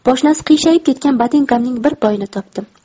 poshnasi qiyshayib ketgan botinkamning bir poyini topdim